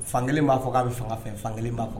Fankelen b'a k'a bɛ fanga fɛ fankelen b'a fɔ